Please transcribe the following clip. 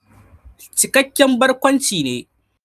Cikakken barkwanci ne.